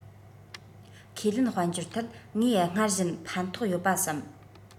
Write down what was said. ཁས ལེན དཔལ འབྱོར ཐད ངས སྔར བཞིན ཕན ཐོག ཡོད པ བསམ